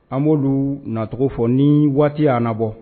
An b'olu nacogo fɔ ni waati' nabɔ